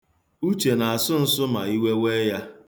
Uche na-asụ nsụ ma iwe wee ya.